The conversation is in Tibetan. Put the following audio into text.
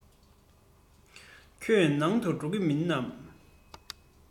ཁྱོད ནང དུ འགྲོ གི མིན ནམ